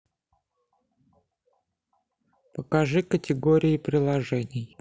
покажи категории приложений